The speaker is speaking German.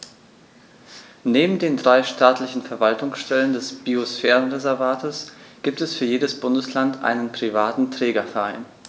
Neben den drei staatlichen Verwaltungsstellen des Biosphärenreservates gibt es für jedes Bundesland einen privaten Trägerverein.